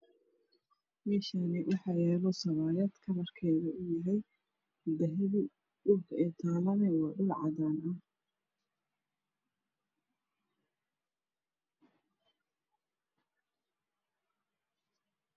Meshaani waxaa yalo sabayad kalarkeedu uyahay dahabi dhulka ey talana waa dhul cadan ah